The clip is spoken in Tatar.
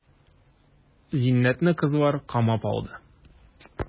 Зиннәтне кызлар камап алды.